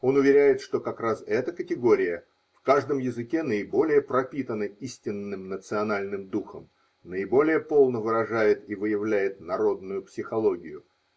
Он уверяет, что как раз эта категория в каждом языке наиболее пропитана истинным национальным духом, наиболее полно выражает и выявляет народную психологию